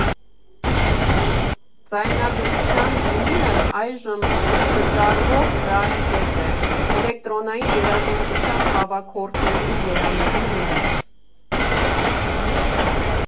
Ձայնագրության վինիլն այժմ չճարվող ռարիտետ է, էլեկտրոնային երաժշտության հավաքորդների երանելի նմուշ։